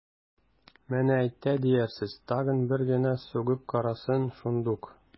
Менә әйтте диярсез, тагын бер генә сугып карасын, шундук...